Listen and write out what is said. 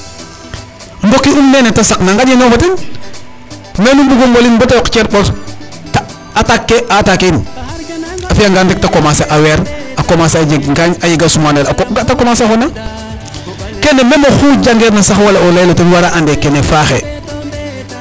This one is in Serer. Ndoki um nene ta saqna nqaƴeeno fo ten mais nu mbugo mbolin bata yoq cer ɓor attaque ke attaquer in a fi'angaan rek ta commencer a weeraa, a commencer a jeg ngaañ ,a jega sumaan ale a koƥ, ga' ta commencer a xonaa kene meme axu jangeerna sax wala o layel o ten wara and ee kene faaxee.